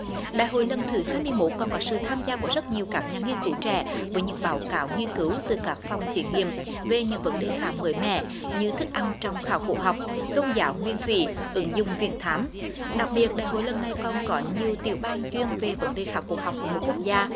đại hội lần thứ hai mươi mốt còn có sự tham gia của rất nhiều các nhà nghiên cứu trẻ với những báo cáo nghiên cứu từ các phòng thí nghiệm về những vấn đề khá mới mẻ như thức ăn trong khảo cổ học tôn giáo nguyên thủy ứng dụng viễn thám đặc biệt đại hội lần này còn có nhiều tiểu bang chuyên về vấn đề khảo cổ học của một quốc gia